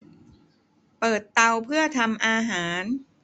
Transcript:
เปิดเตาเพื่อทำอาหาร